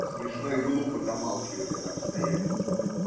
Смешно и глупо замалчивать это обстоятельство.